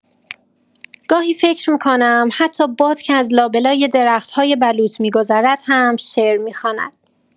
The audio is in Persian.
گاهی فکر می‌کنم حتی باد که از لابه‌لای درخت‌های بلوط می‌گذرد هم شعر می‌خواند.